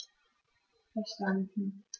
Verstanden.